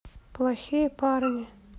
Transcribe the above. плохие парни